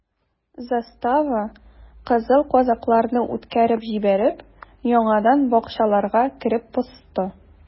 Застава, кызыл казакларны үткәреп җибәреп, яңадан бакчаларга кереп посты.